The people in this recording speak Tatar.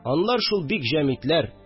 Анлар шул бик җамидләр